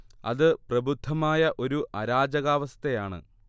അത് പ്രബുദ്ധമായ ഒരു അരാജകാവസ്ഥയാണ്